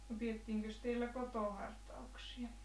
no pidettiinkös teillä kotihartauksia